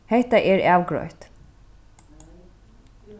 hetta er avgreitt